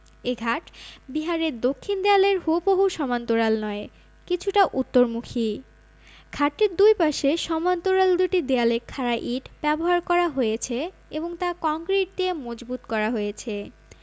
এ ঘাট বিহারের দক্ষিণ দেয়ালের হুবহু সমান্তরাল নয় কিছুটা উত্তরমুখী ঘাটের দুই পাশের সমান্তরাল দুটি দেয়ালে খাড়া ইট ব্যবহার করা হয়েছে এবং তা কংক্রিট দিয়ে মজবুত করা হয়েছে